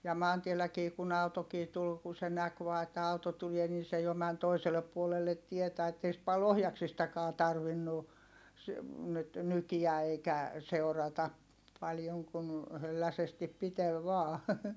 ja maantielläkin kun autokin tuli kun se näki vain että auto tulee niin se jo meni toiselle puolelle tietä että ei sitten paljon ohjaksistakaan tarvinnut - nyt nykiä eikä seurata paljon kun hölläsesti piteli vain